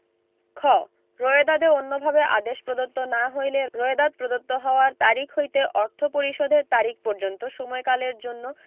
খ রোয়েদাদে অন্যভাবে আদেশ প্রদত্ত না হইলে রোয়েদাদ প্রদত্ত হওয়ার তারিখ হইতে অর্থ পরিশোধের তারিখ পর্যন্ত সময়কালের জন্য